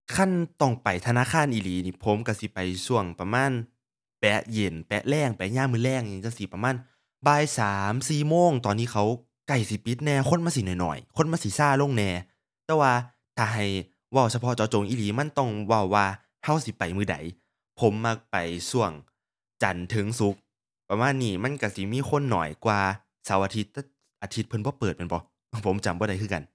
คันต้องไปธนาคารอีหลีนี่ผมก็สิไปก็ประมาณแป๋เย็น แป๋แลง ไปยามมื้อแลงอิหยังจั่ง ซี้ ประมาณบ่ายสาม สี่โมง ตอนที่เขาใกล้สิปิดแหน่ คนมันสิน้อยน้อย คนมันสิซาลงแหน่ แต่ว่าถ้าให้เว้าเฉพาะเจาะจงอีหลีมันต้องเว้าว่า ก็สิไปมื้อใด ผมมักไปก็จันทร์ถึงศุกร์ประมาณนี้ มันก็สิมีคนน้อยกว่าเสาร์อาทิตย์ แต่อาทิตย์เพิ่นบ่เปิดแม่นบ่ ผมจำบ่ได้คือกัน